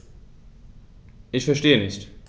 Ich verstehe nicht.